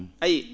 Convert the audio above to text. a yiyui